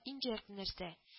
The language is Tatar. Иң кирәкле нәрсә